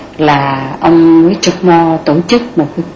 là ông nguyễn trúc mo tổ chức một